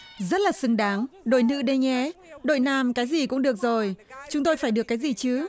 rất là xứng đáng đội nữ đấy nhé đội nam cái gì cũng được rồi chúng tôi phải được cái gì chứ